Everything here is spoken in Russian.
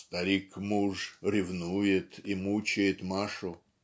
): "Старик-муж ревнует и мучает Машу.